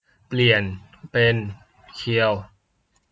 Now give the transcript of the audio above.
เปลี่ยนเป็นเคียว